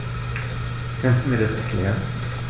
Kannst du mir das erklären?